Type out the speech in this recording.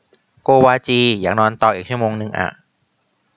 โกวาจีอยากนอนต่ออีกชั่วโมงนึงอะ